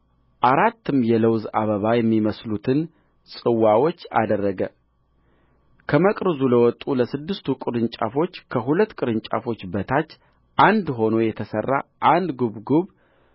አራትም የለውዝ አበባ የሚመስሉትን ጽዋዎች አደረገ ከመቅረዙ ለወጡ ለስድስት ቅርንጫፎች ከሁለት ቅርንጫፎች በታች አንድ ሆኖ የተሠራ አንድ ጕብጕብ